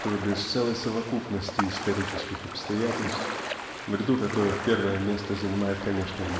что без целой совокупности исторических обстоятельств (в ряду которых первое место занимает конечно